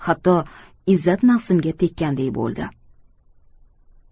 hatto izzat nafsimga tekkandek bo'ldi